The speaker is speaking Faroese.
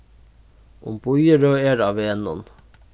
um bíðirøð er á vegnum